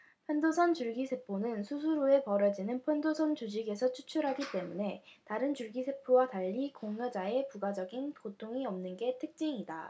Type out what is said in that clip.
편도선 줄기세포는 수술 후에 버려지는 편도선 조직에서 추출하기 때문에 다른 줄기세포와 달리 공여자의 부가적인 고통이 없는 게 특징이다